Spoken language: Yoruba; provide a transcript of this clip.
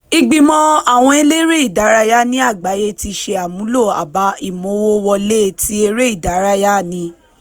Ìgbìmọ̀ àwọn eléré ìdárayá ní àgbáyé ti ṣe àmúlò abala ìmówówọlé tí eré ìdárayá ní.